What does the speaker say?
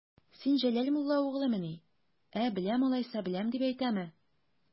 Син Җәләл мулла угълымыни, ә, беләм алайса, беләм дип әйтәме?